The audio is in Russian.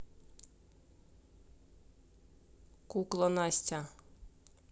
кукла настя